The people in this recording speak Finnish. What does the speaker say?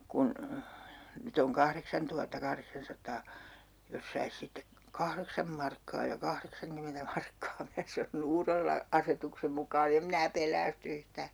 kun nyt on kahdeksantuhatta kahdeksansataa jos saisi sitten kahdeksan markkaa ja kahdeksankymmentä markkaa minä sanoin uudella asetuksen mukaan en minä pelästy yhtään